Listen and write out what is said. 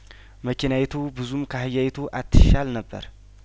መኪናዪቱ ብዙም ካህያዪቱ አትሻል ነበር